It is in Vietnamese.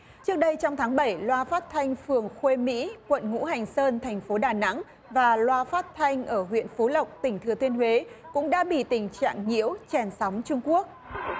trước đây trong tháng bảy loa phát thanh phường khuê mỹ quận ngũ hành sơn thành phố đà nẵng và loa phát thanh ở huyện phú lộc tỉnh thừa thiên huế cũng đã bị tình trạng nhiễu chèn sóng trung quốc